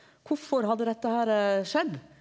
kvifor hadde dette her skjedd?